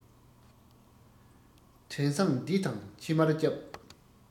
བྲན བཟང འདི དང ཕྱི མར བསྐྱབས